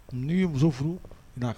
N' yei muso furu'a